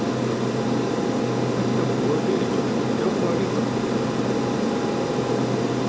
hetta borðið er gjørt úr góðari eik